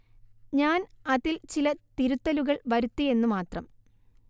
ഞാന്‍ അതില്‍ ചില തിരുത്തലുകള്‍ വരുത്തി എന്നു മാത്രം